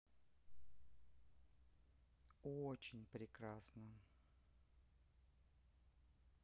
очень прекрасно